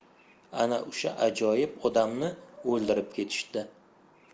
ana o'sha ajoyib odamni o'ldirib ketishdi